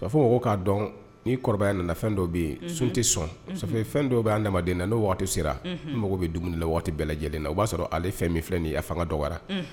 K'a dɔn ni kɔrɔbayaya nana fɛn dɔ bɛ sun tɛ sɔn fɛn dɔw b bɛ adamadamaden na n'o waati sera mago bɛ dumuni waati bɛɛ lajɛlen o b'a sɔrɔ ale fɛn min fɛn nin a fanga dɔ wa